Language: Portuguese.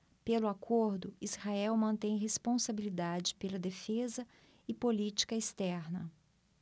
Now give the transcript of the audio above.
pelo acordo israel mantém responsabilidade pela defesa e política externa